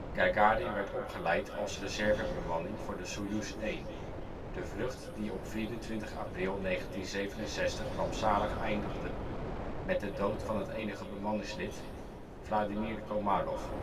Gagarin werd opgeleid als reservebemanning voor de Sojoez 1, de vlucht die op 24 april 1967 rampzalig eindigde met de dood van het enige bemanningslid, Vladimir Komarov